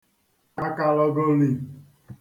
àkàlòògòli